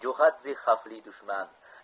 jo'xadze xavfli dushman